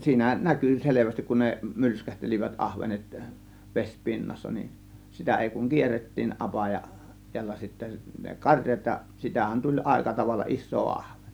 siinä näkyi selvästi kun ne mylskähtelivät ahvenet - vesipinnassa niin sitä ei kuin kierrettiin apaja täällä sitten ne karjat ja sitähän tuli aika tavalla isoa ahventa